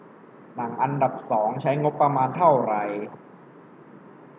หนังอันดับสองใช้งบประมาณเท่าไหร่